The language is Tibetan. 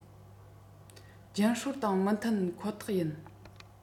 རྒྱུན སྲོལ དང མི མཐུན ཁོ ཐག ཡིན